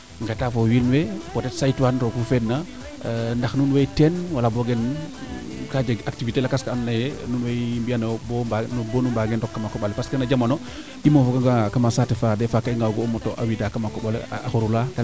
ngeta fo wiin we peut saytoxan roog fuu feed na ndax nuun way teen wala boogen ka jeg activiter lakas kaa ando naaye nuun way mbiyanoyo bo mbaage ndok kama koɓale parce que na jamano i moofa n=ga nga kama saate fa de des fois kaa i nga oogu o moto a wida kama koɓale a xurula